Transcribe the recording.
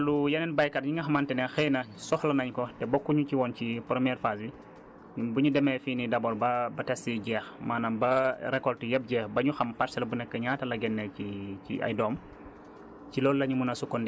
léegi ci wàllu yeneen baykat yi nga xamante ne xëy na soxla nañ ko te bokkuñu ci woon ci première phase bi bu ñu demee fii nii d' abord ba ba test yi jeex maanaam ba récolte yépp jeex ba ñu xam parcelle bu nekk ñaata la génnee ci ci ay doom